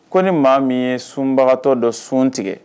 Ko ni maa min ye sunbagatɔ dɔ sun tigɛ